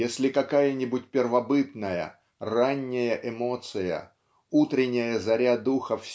Если какая-нибудь первобытная ранняя эмоция утренняя заря духа